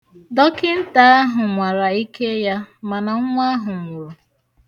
Dọkịnta ahụ nwara ike ya mana nwa ahụ nwụrụ.